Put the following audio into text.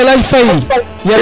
a Elhaj Faye